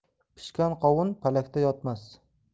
pishgan qovun palakda yotmas